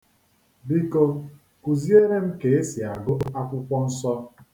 Biko, kuziere m ka e si agụ akwụkwọ nsọ.